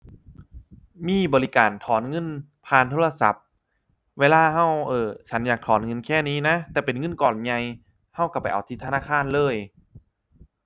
มีบริการถอนเงินผ่านโทรศัพท์ เวลาเรา เอ่อ ฉันอยากถอนเงินแค่นี้นะ แต่เป็นเงินก้อนใหญ่ เราเราไปเอาที่ธนาคารเลย